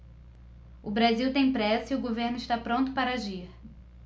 o brasil tem pressa e o governo está pronto para agir